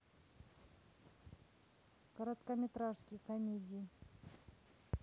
короткометражки комедии